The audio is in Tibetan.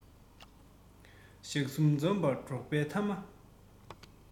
ཞག གསུམ འཛོམས པ འགྲོགས པའི ཐ མ